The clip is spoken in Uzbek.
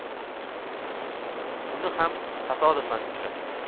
uni ham tasodifan uchratibdi